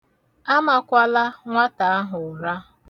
Amakwala nwata ahụ ụra.